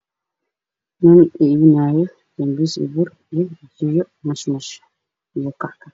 Nin ibinaayo sanbuus iyo bur iyo biyo nashash ah iyo kackac